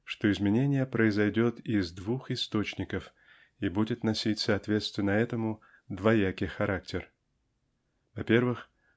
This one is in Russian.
что изменение произойдет из двух источников и будет носить соответственно этому двоякий характер. Во-первых